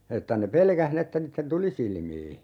että ne pelkäsi niin että niiden tuli silmiin